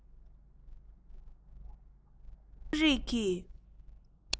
རྩོམ རིག གི